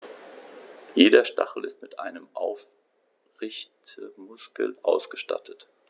Jeder Stachel ist mit einem Aufrichtemuskel ausgestattet.